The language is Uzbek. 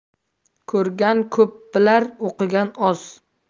ko'rgan ko'p bilar o'qigan oz